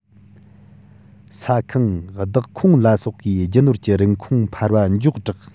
ས ཁང བདག ཁོངས ལ སོགས པའི རྒྱུ ནོར གྱི རིན གོང འཕར བ མགྱོགས དྲགས